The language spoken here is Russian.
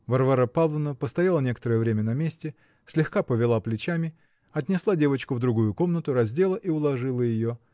Варвара Павловна постояла некоторое время на месте, слегка повела плечами, отнесла девочку в другую комнату, раздела и уложила ее.